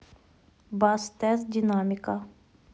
бас тест динамика